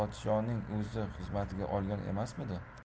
o'zi xizmatiga olgan emasmidi